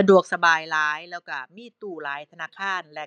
สะดวกสบายหลาย แล้วก็มีตู้หลายธนาคาร และ